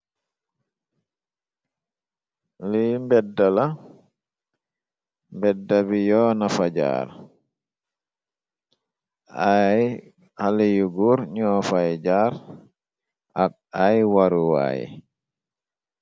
Li mbeddala mbedda bi yoona fa jaar ay xale yu guur ñoo fay jaar ak ay waruwaayi.